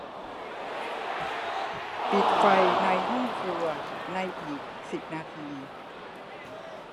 ปิดไฟในห้องครัวในอีกสิบนาที